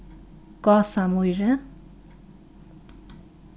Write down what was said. gásamýri